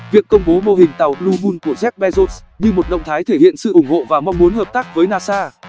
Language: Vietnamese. việc công bố mô hình tàu blue moon của jeff bezos như một động thái thể hiện sự ủng hộ và mong muốn hợp tác với nasa